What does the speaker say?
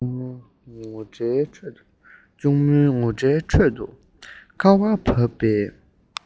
གཅུང མོའི ངུ སྒྲའི ཁྲོད དུ ཁ བ བབས པའི